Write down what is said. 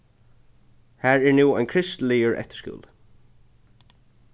har er nú ein kristiligur eftirskúli